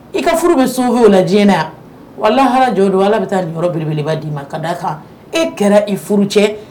I ka furu bɛ sauver o la diɲɛ na yan, wa lahara jɔ don, Ala bɛ taa niyɔrɔ belebeleba d'i ma, ka da kan e kɛra i furu cɛ